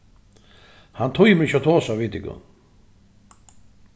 hann tímir ikki at tosa við tykum